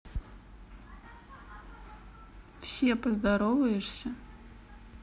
все поздороваешься